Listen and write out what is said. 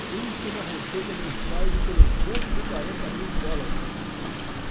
tem-se uma receita mensal de trezentos e quarenta mil dólares